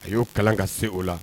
A y'o kalan ka se o la